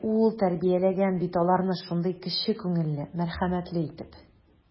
Ул тәрбияләгән бит аларны шундый кече күңелле, мәрхәмәтле итеп.